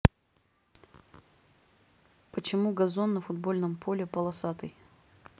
почему газон на футбольном поле полосатый